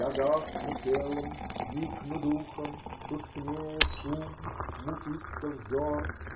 Я гасну телом, никну духом, Тускнеет ум, мутится взор